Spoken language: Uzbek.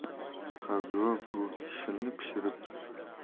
habiba buvi shinni pishirib